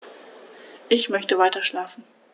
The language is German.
Ich möchte weiterschlafen.